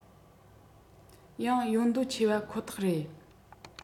ཡང ཡོང འདོད ཆེ པ ཁོ ཐག རེད